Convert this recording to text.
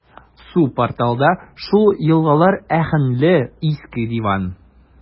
Сул порталда шул елларга аһәңле иске диван.